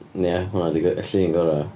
Ia, hwnna ydi'r go- y llun gorau.